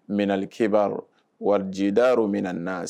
Minɛnli kibar warijibida yɔrɔ minna na